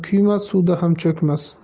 kuymas suvda ham cho'kmas